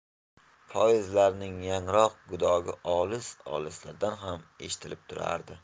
poezdlarning yangroq gudogi olis olislardan ham eshitilib turardi